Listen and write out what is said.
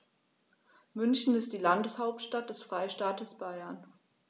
München ist die Landeshauptstadt des Freistaates Bayern.